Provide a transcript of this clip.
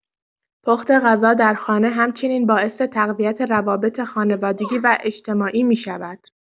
پخت غذا در خانه همچنین باعث تقویت روابط خانوادگی و اجتماعی می‌شود.